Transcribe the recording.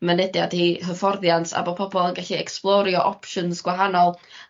mynediad i hyfforddiant a bo' pobol yn gellu ecsblorio options gwahanol.